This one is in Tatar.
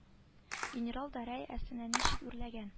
Генерал дәрә әсенә ничек үрләгән